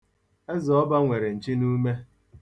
Ezeọba nwere nchịnume.